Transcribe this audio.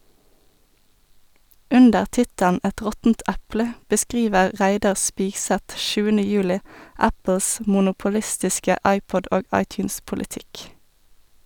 Under tittelen "Et råttent eple" beskriver Reidar Spigseth 7. juli Apples monopolistiske iPod- og iTunes-politikk.